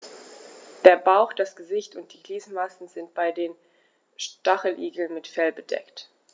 Der Bauch, das Gesicht und die Gliedmaßen sind bei den Stacheligeln mit Fell bedeckt.